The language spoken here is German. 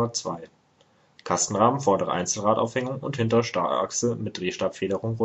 501/502: Kastenrahmen, vordere Einzelradaufhängung und hintere Starrachse mit Drehstabfederung